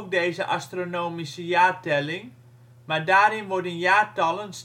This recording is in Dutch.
deze astronomische jaartelling, maar daarin worden jaartallen